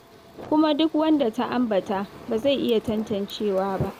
""Kuma duk wanda ta ambata ba zai iya tantancewa ba."